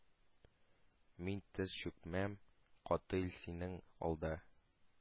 Мин тез чүкмәм, катыйль, синең алда,